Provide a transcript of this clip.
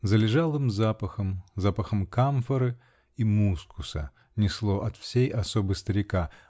Залежалым запахом, запахом камфары и мускуса несло от всей особы старика